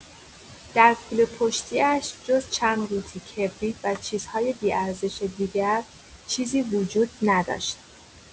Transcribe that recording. در کوله‌پشتی‌اش جز چند قوطی کبریت و چیزهای بی‌ارزش دیگر، چیزی وجود نداشت.